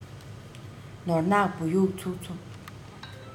ནོར ནག བུ ཡུག ཚུབ ཚུབ